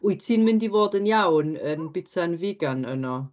Wyt ti'n mynd i fod yn iawn yn byta'n figan yno?